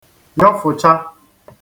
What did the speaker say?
yọfụcha